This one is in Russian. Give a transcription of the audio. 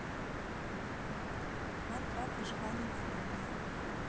майнкрафт выживание ванильное